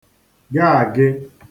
gaāge